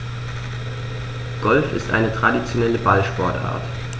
Golf ist eine traditionelle Ballsportart.